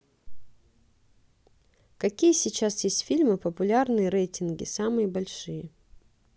какие сейчас есть фильмы популярные рейтинги самые большие